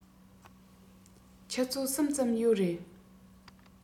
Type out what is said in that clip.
ཆུ ཚོད གསུམ ཙམ ཡོད རེད